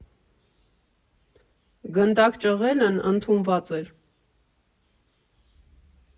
Գնդակ ճղելն ընդունված էր։